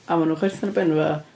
a maen nhw'n chwerthin ar ben y fo.